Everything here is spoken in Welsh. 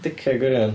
Dickhead gwirion.